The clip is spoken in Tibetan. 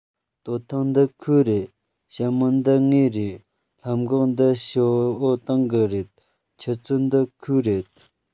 སྟོད ཐུང འདི ཁོའི རེད ཞྭ མོ འདི ངའི རེད ལྷམ གོག འདི ཞའོ ཏིང གི རེད ཆུ ཚོད འདི ཁོའི རེད